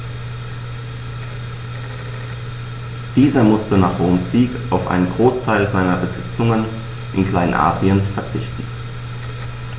Dieser musste nach Roms Sieg auf einen Großteil seiner Besitzungen in Kleinasien verzichten.